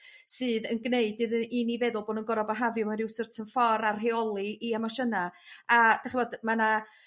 sydd yn gneud iddy- i ni feddwl bo' nhw'n gor'o' bihafio mewn ryw certain ffor a rheoli 'u emosiyna' a dych ch'mod ma' 'na